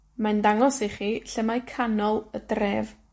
Mae'n dangos i chi lle mae canol y dref.